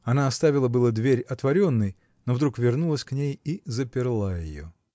Она оставила было дверь отворенной, до вдруг вернулась к ней и заперла ее.